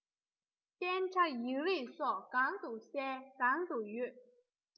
གཏན ཁྲ ཡིག རིགས སོགས གང དུ གསལ གང དུ ཡོད